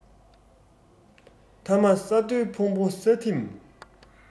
ཐ མ ས རྡོའི ཕུང པོ ས ཐིམ